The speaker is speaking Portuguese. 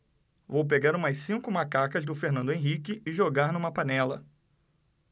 vou pegar umas cinco macacas do fernando henrique e jogar numa panela